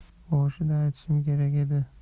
boshida aytishim kerak edi